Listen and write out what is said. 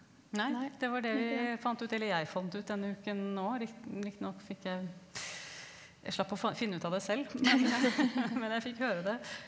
nei det var det vi fant ut eller jeg fant ut denne uken òg riktignok fikk jeg jeg slapp å få finne ut av det selv men men jeg fikk høre det.